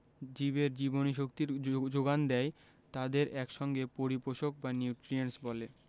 জীবের জীবনীশক্তির যো যোগান দেয় তাদের এক সঙ্গে পরিপোষক বা নিউট্রিয়েন্টস বলে